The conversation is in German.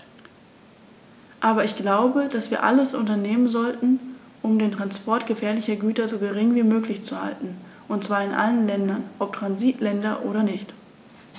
Aber ich glaube, dass wir alles unternehmen sollten, um den Transport gefährlicher Güter so gering wie möglich zu halten, und zwar in allen Ländern, ob Transitländer oder nicht.